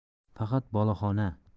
faqat boloxona